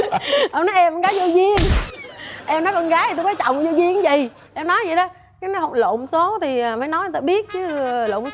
ổng nói em con gái vô duyên em nói con gái người ta có chồng vô duyên cái gì em nói vậy đó thế nói lộn số thì mới nói người ta biết chứ lộn số